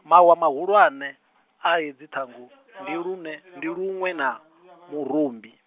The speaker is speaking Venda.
mawa mahulwane, a hedzi ṱhangu, ndi lune ndi luṅwe na murumbi.